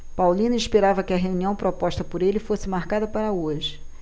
paulino esperava que a reunião proposta por ele fosse marcada para hoje